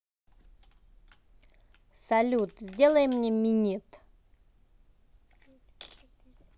салют сделай мне минет